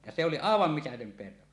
ja se oli aivan mitätön perho